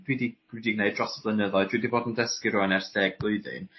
dwi 'di dwi 'di gneud dros y blynyddoedd dwi 'di bod yn dysgu rŵin ers deg blwyddyn.